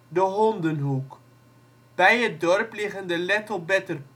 de Hondenhoek "). Bij het dorp liggen de Lettelberter